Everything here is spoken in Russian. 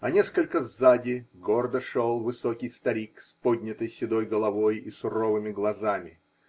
А несколько сзади гордо шел высокий старик с поднятой седой головой и суровыми глазами.